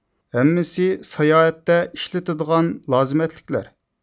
ھەممىسى ساياھەتتە ئىشلىتىدىغان لازىمەتلىكلەر